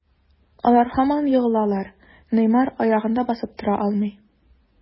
Алар һаман егылалар, Неймар аягында басып тора алмый.